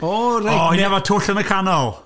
O reit... O ie, ma' twll yn y canol.